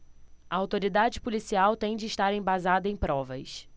a autoridade policial tem de estar embasada em provas